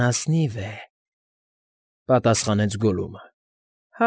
Անաս֊ս֊սնիվ էր,֊ պատասխանեց Գոլլումը։